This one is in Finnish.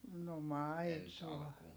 no maitoa